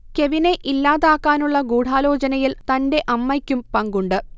കെവിനെ ഇല്ലാതാക്കാനുള്ള ഗൂഢാലോചനയിൽ തന്റെ അമ്മയ്ക്കും പങ്കുണ്ട്